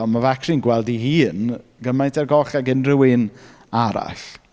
Ond mae fe acshyli’n gweld ei hun gymaint ar goll ag unrhyw un arall.